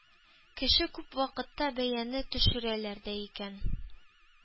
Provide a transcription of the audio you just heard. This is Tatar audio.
Кеше күп вакытта бәяне төшерәләр дә икән.